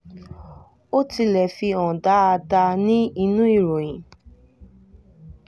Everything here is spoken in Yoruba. "Ó tilẹ̀ ti hàn dáadáa ní inú ìròyìn.